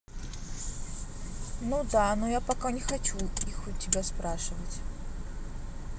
ну да но я пока не хочу их у тебя спрашивать